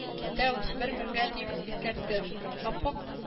Үтәү – бер меңгә, дип, искәртте. ап-ак